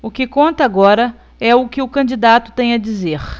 o que conta agora é o que o candidato tem a dizer